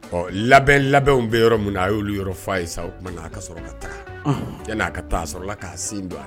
Ɔ labɛn labɛnw bɛ yɔrɔ min na, a y'olu yɔrɔ fɔ a ye sa, o tuma a ka sɔrɔ ka taa, ɔnhɔn, yann'a ka taa a sɔrɔ la k'a sin don a